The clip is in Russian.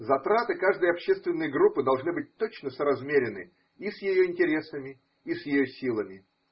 Затраты каждой общественной группы должны быть точно соразмерены и с ее интересами, и с ее силами.